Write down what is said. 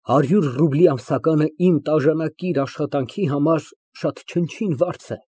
Հարյուր ռուբլի ամսականը իմ տաժանակիր աշխատանքի համար շատ չնչին վարձ է։